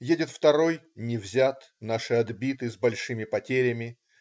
Едет второй: не взят, наши отбиты с большими потерями.